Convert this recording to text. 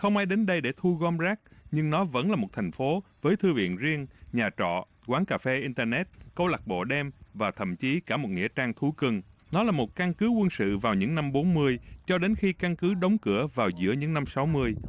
không ai đến đây để thu gom rác nhưng nó vẫn là một thành phố với thư viện riêng nhà trọ quán cà phê in tơ nét câu lạc bộ đêm và thậm chí cả một nghĩa trang thú cưng nó là một căn cứ quân sự vào những năm bốn mươi cho đến khi căn cứ đóng cửa vào giữa những năm sáu mươi